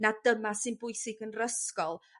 ma' dyma sy'n bwysig yn 'r ysgol